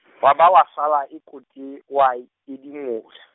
wa ba wa sala e kete o a, edimola.